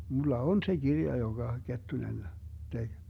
minulla on se kirja jonka Kettunen teki